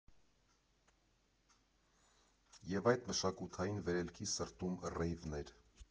Եվ այդ մշակութային վերելքի սրտում ռեյվն էր։